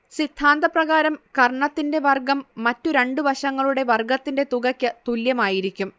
സിദ്ധാന്തപ്രകാരം കർണ്ണത്തിന്റെ വർഗ്ഗം മറ്റുരണ്ടുവശങ്ങളുടെ വർഗ്ഗത്തിന്റെ തുകക്ക് തുല്യമായിരിക്കും